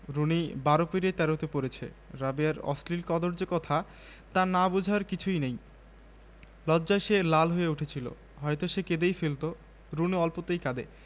০% ইন্টারেস্টে ৬ মাস পর্যন্ত নগদ মূল্য পরিশোধ এবং ১২ মাস পর্যন্ত সহজ কিস্তি সুবিধা এই ক্যাম্পেইনে সিঙ্গার আরো দিচ্ছে